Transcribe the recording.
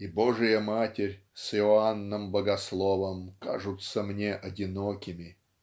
и Божия Матерь с Иоанном Богословом кажутся мне одинокими".